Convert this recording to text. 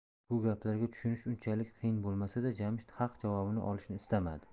bu gaplarga tushunish unchalik qiyin bo'lmasa da jamshid haq javobni olishni istamadi